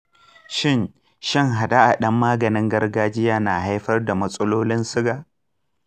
shin shan haɗe-haɗen maganin gargajiya na haifar da matsalolin suga?